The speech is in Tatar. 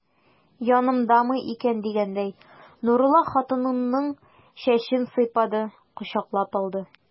Янымдамы икән дигәндәй, Нурулла хатынының чәчен сыйпады, кочаклап алды.